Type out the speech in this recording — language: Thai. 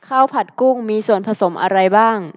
ข้าวผัดกุ้งมีส่วนผสมอะไรบ้าง